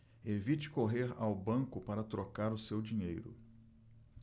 evite correr ao banco para trocar o seu dinheiro